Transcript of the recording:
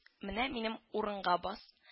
Менә минем урынга бас